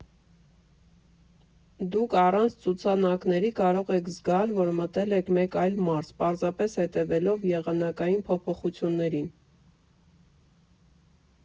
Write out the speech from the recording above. Դուք առանց ցուցանակների կարող եք զգալ, որ մտել եք մեկ այլ մարզ՝ պարզապես հետևելով եղանակային փոփոխություններին։